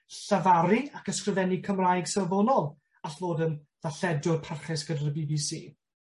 llafaru ag ysgrifennu Cymraeg safonol all fod yn ddarlledwr parchus gyda'r y Bee Bee See.